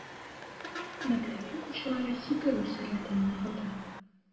Мәктәп укучылары сикерү сәләтен ныгыта.